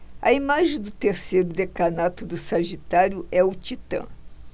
a imagem do terceiro decanato de sagitário é o titã